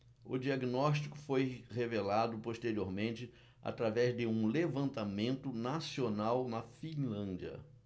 o diagnóstico foi revelado posteriormente através de um levantamento nacional na finlândia